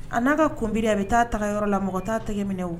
A n'a ka kunbida a bɛ taa ta yɔrɔ la mɔgɔ t' tɛgɛ minɛ